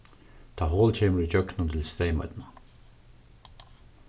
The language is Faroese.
tá hol kemur ígjøgnum til streymoynna